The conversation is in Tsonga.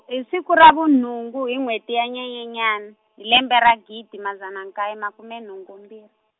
hi siku ra vunhungu hi nweti ya Nyenyenyani hi lembe ra gidi madzana nkaye makume nhungu mbirhi.